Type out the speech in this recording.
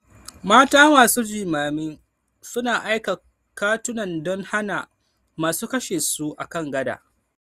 Mata masu jimami su na aika katunan don hana masu kashe su akan gada